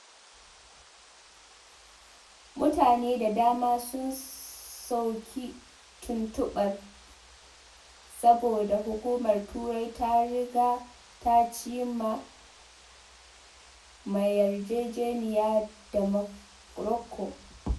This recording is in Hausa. Mutane da dama sun soki tuntuɓar saboda Hukumar Turai ta riga ta cima ma yarjejeniya da Morocco.